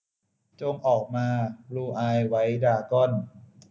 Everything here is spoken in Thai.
จงออกมาบลูอายไวท์ดราก้อน